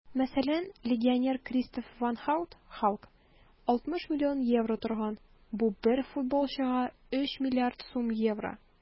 Мәсәлән, легионер Кристоф ван Һаут (Халк) 60 млн евро торган - бу бер футболчыга 3 млрд сум евро!